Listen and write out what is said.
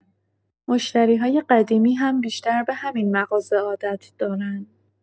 مشتری‌های قدیمی هم بیشتر به همین مغازه عادت دارن.